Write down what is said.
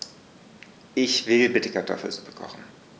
Ich will bitte Kartoffelsuppe kochen.